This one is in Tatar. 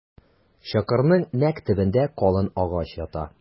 Чокырның нәкъ төбендә калын агач ята.